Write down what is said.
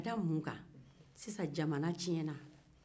ka da mun kan sisan jamana tiɲɛna